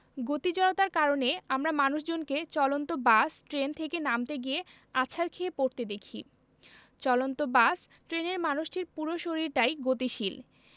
গতি জড়তার কারণে আমরা মানুষজনকে চলন্ত বাস ট্রেন থেকে নামতে গিয়ে আছাড় খেয়ে পরতে দেখি চলন্ত বাস ট্রেনের মানুষটির পুরো শরীরটাই গতিশীল